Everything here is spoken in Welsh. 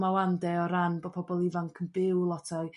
'ma 'wan 'de o ran bo' pobol ifanc yn byw lot o'u